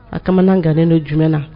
A kaganen don jumɛn na